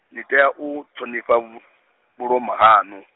ni tea u, ṱhonifha, vhulomo haṋu.